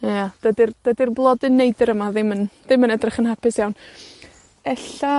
Ia, dydi'r, dydi'r Blodyn Neidyr yma ddim yn, ddim yn edrych yn hapus iawn. Ella